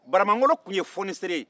buramangolo tun ye foniseere ye